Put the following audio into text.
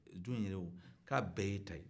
du in yɛrɛ o k'a bɛɛ y'e ta